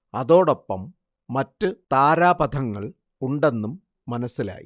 അതോടൊപ്പം മറ്റ് താരാപഥങ്ങൾ ഉണ്ടെന്നും മനസ്സിലായി